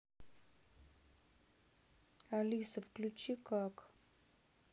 алиса включи как